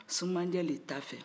sumanjɛ le t'a fɛ